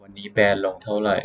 วันนี้แบรนด์ลงเท่าไหร่